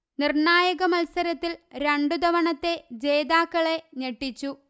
നിര്ണായക മല്സരത്തില് രണ്ടുതവണത്തെ ജേതാക്കളെ ഞെട്ടിച്ചു